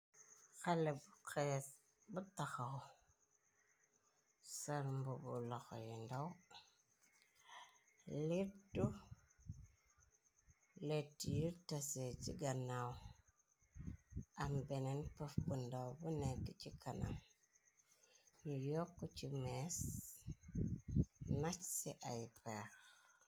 Xale bu xees bu taxaw sarmb bu loxo yu ndaw litdu letir tese ci gannaaw am beneen pëf bu ndaw bu nekk ci kanam yu yokk ci mees nac ci ay peex.